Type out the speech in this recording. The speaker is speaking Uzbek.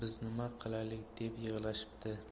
biz nima qilaylik deb yig'lashibdi